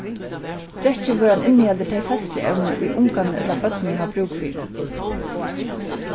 drekkivøran inniheldur tey føðsluevni ið ungarnir ella børnini hava brúk fyri